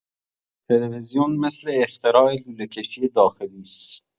تلویزیون مثل اختراع لوله‌کشی داخلی است.